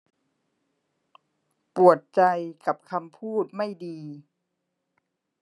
ปวดใจกับคำพูดไม่ดี